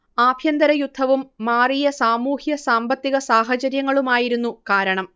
ആഭ്യന്തര യുദ്ധവും മാറിയ സാമൂഹ്യ സാമ്പത്തിക സാഹചര്യങ്ങളുമായിരുന്നു കാരണം